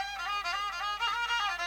San